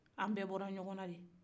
an bɛ bɔra ɲɔgɔnna de